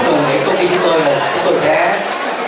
tôi sẽ